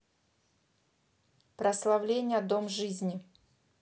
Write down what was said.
прославление дом жизни